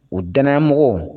U dɛmɛ mɔgɔw